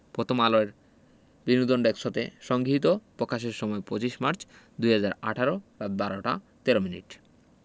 পথমআলো এর বিনোদন ডেক্স হতে সংগিহীত পকাশের সময় ২৫মার্চ ২০১৮ রাত ১২ টা ১৩ মিনিট